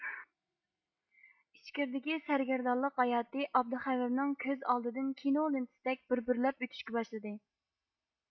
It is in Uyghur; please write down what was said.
ئىچكىردىكى سەرگەندانلىق ھاياتى ئابدىخېۋئىرنىڭ كۆز ئالدىدىن كىنو لىنتىسىدەك بىر بىرلەپ ئۆتۈشكە باشلىدى